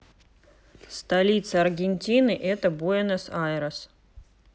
столица аргентины это буэнос айрес